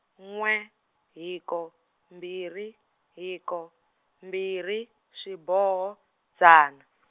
n'we hiko mbirhi hiko mbirhi xiboho dzana .